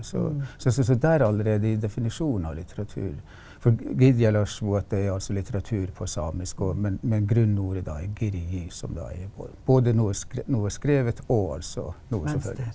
så så synes jeg der allerede i definisjonen av litteratur for er altså litteratur på samisk og men men grunnordet da er som da er både er noe noe skrevet og altså noe som hører.